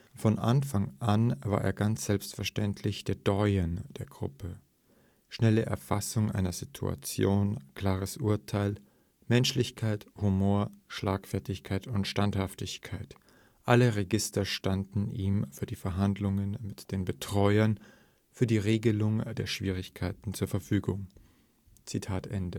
Von Anfang an war er ganz selbstverständlich der Doyen der Gruppe; schnelle Erfassung einer Situation, klares Urteil, Menschlichkeit, Humor, Schlagfertigkeit und Standhaftigkeit, alle Register standen ihm für die Verhandlungen mit den ‚ Betreuern ‘, für die Regelung von Schwierigkeiten zur Verfügung. “Eine